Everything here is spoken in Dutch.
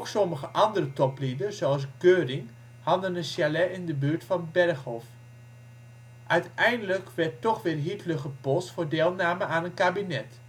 sommige andere toplieden zoals Göring hadden een chalet in de buurt van de Berghof. Uiteindelijk werd toch weer Hitler gepolst voor deelname aan een kabinet